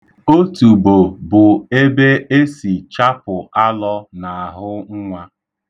Otubo bụ ebe e si chapụ alọ n'ahụ nnwa.